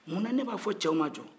munna ne b'a fɔ cɛw ma jɔ